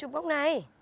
chụp góc này